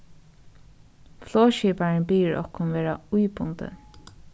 flogskiparin biður okkum verða íbundin